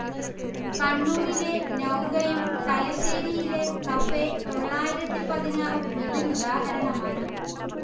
കണ്ണൂരിലെ നൗകയും തലശ്ശേരിയിലെ കഫേ തൊള്ളായിരത്തി പതിനാറും ഇതിനുദാഹരണമാണ്